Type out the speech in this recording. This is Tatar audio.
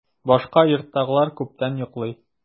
Башка йорттагылар күптән йоклый.